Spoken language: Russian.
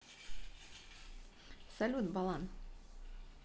салют балан